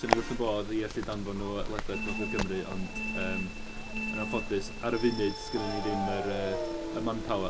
'Swn i wrth yn bodd i allu danfon nhw ledled Gogledd Cymru ond yym yn anffodus, ar y funud sgynna ni ddim yr yy y manpower.